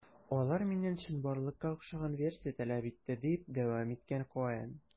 Алар миннән чынбарлыкка охшаган версия таләп итте, - дип дәвам иткән Коэн.